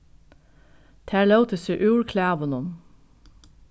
tær lótu seg úr klæðunum